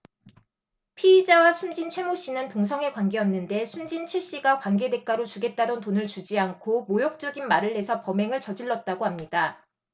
피의자와 숨진 최 모씨는 동성애 관계였는데 숨진 최씨가 관계 대가로 주겠다던 돈을 주지 않고 모욕적인 말을 해서 범행을 저질렀다고 합니다